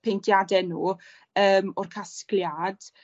peithiade nw yym o'r casgliad